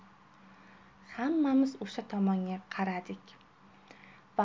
hammamiz o'sha tomonga qaradik